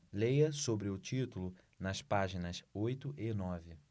leia sobre o título nas páginas oito e nove